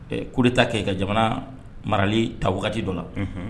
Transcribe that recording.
Ɛ coup d' Etat kɛ ka jamanaa marali ta wagati dɔ la unhun